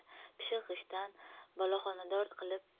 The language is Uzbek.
pishiq g'ishtdan boloxonador qilib